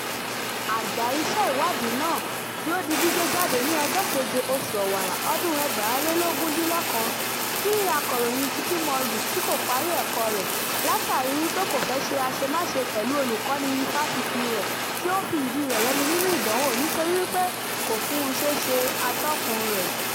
Àgbà iṣẹ́ ìwádìí náà, tí ó di gbígbé jáde ní ọjọ́ kéje oṣù Ọ̀wàrà 2019, tí akọ̀ròyin Kiki Mordi tí kò parí ẹ̀kọ́ọ rẹ̀ látàríi wípé kò fẹ́ ṣe àṣemáṣe pẹ̀lú olùkọ́ní ifásitì rẹ̀ tí ó ń fi ìdíi rẹ̀ rẹmi nínú ìdánwò nítorí wípé kò fún un ṣe ṣe atọ́kùn-un rẹ̀: